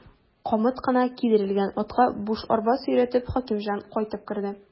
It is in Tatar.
Камыт кына кидерелгән атка буш арба сөйрәтеп, Хәкимҗан кайтып керде.